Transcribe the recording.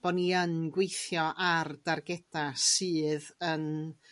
bo' nï yn gweithio ar dargeda sydd yn